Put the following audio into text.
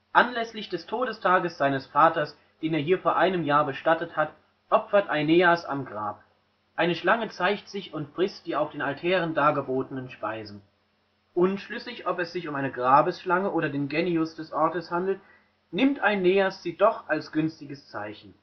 Anlässlich des Todestages seines Vaters, den er hier vor einem Jahr bestattet hat, opfert Aeneas am Grab. Eine Schlange zeigt sich und frisst die auf den Altären dargebotenen Speisen. Unschlüssig, ob es sich um eine Grabesschlange oder den Genius des Ortes handelt, nimmt Aeneas sie doch als günstiges Zeichen